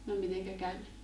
no miten kävi